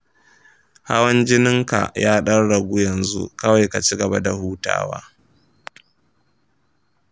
hawan jininka ya dan ragu yanzu kawai ka cigaba da hutawa.